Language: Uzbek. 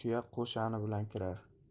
tuya qo'shani bilan kirar